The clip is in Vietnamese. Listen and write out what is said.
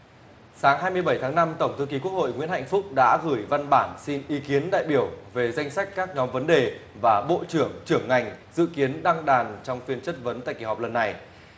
sáng hai mươi bảy tháng năm tổng thư ký quốc hội nguyễn hạnh phúc đã gửi văn bản xin ý kiến đại biểu về danh sách các nhóm vấn đề và bộ trưởng trưởng ngành dự kiến đăng đàn trong phiên chất vấn tại kỳ họp lần này